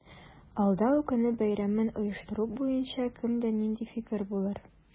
Алдау көне бәйрәмен оештыру буенча кемдә нинди фикер булыр?